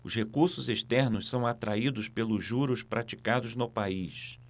os recursos externos são atraídos pelos juros praticados no país